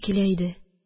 Килә иде,